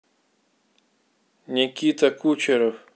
никита кучеров